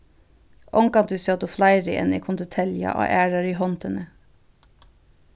ongantíð sótu fleiri enn eg kundi telja á aðrari hondini